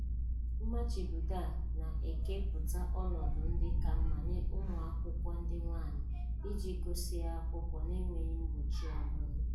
Mmachibido a na-ekeputa ọnọdụ ndị ka mma nye ụmụ akwụkwọ ndị nwaanyị iji gụsịa akwukwọ na-enweghị mgbochi ọ bula.